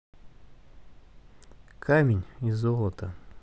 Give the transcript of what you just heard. камень и золото